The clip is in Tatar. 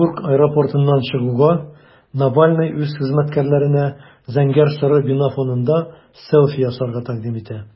Оренбург аэропортыннан чыгуга, Навальный үз хезмәткәрләренә зәңгәр-соры бина фонында селфи ясарга тәкъдим итә.